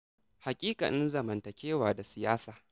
Haƙiƙanin zamantakewa da siyasa